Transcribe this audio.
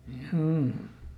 juu